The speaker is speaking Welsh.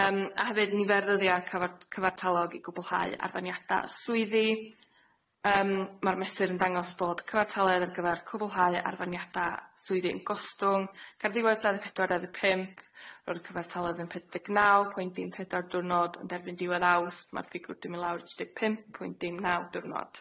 Yym a hefyd nifer ddyddia cyfar- cyfartalog i gwblhau arfaniada swyddi. Yym ma'r mesur yn dangos bod cyfartale ar gyfar cwblhau arfaniada swyddi yn gostwng gan ddiwed dau ddeg pedwar adeg pump ro'r cyfartalod yn pedeg naw pwynt dim pedwar dwrnod yn derbyn diwedd Awst ma'r ffigwr dwi'n myn' lawr tri deg pump pwynt dim naw dwrnod.